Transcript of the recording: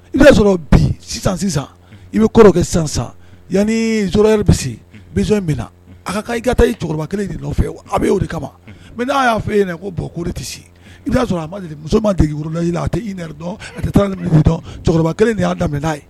I'a sɔrɔ bi sisan sisan i bɛ kɔrɔ kɛ sisan yan a taa kelen de nɔfɛ a bɛ o de kama n'a y'a fɔ e ko bɔn tɛa sɔrɔ muso ma dege a i dɔn a kelen de y'a daminɛ'a ye